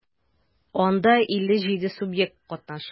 Анда 57 субъект катнаша.